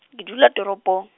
ke dula toropong.